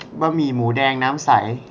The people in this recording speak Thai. บะหมี่หมูแดงน้ำใส